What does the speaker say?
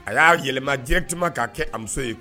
A y'a yɛlɛmajɛtuma k'a kɛ a muso ye